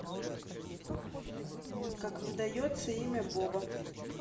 как выдается имя боба